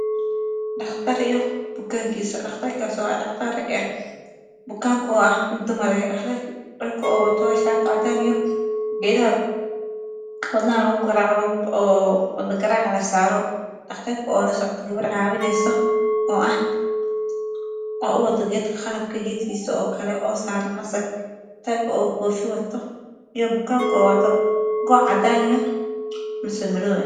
Dhaqtar iyo bukankiisa dhaqtarkaasi waa dhagatr rag eh bukanku waa qof dumar eh Dhaqtarka dharka wuu wato midabkisa wa shati cadan eh iyo bahalka wadno garaca loga tala galay dhaqtarka oo la scoto gabar cawineeso oo ah oo u wado geedka qalabkisa gedkisa okle o saran masar dhaqtarka o kofi wato iyo bukankoo wato go.cadan iyo masr madow eh